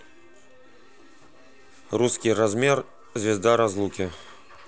русский размер звезда разлуки